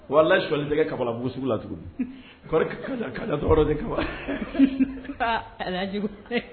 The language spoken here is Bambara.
Walasa shli tɛ ka bu sugu la tugun ka dɔrɔn de ka